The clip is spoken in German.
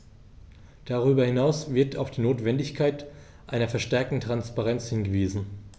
Darüber hinaus wird auf die Notwendigkeit einer verstärkten Transparenz hingewiesen.